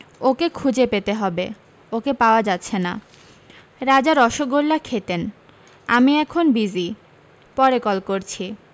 ও কে খুজে পেতে হবে ও কে পাওয়া যাছে না রাজা রসোগোল্লা খেতেন আমি এখন বিজি পরে কল করছি